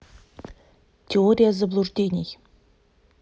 территория заблуждений